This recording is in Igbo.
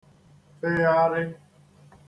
-fegharị